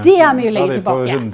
det er mye lenger tilbake.